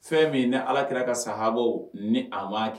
Fɛn min ni alaki ka saaabɔ ni a ma kɛ